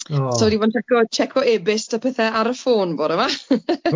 So dwi 'di bod yn checo e-byst a pethe ar y ffôn bore 'ma.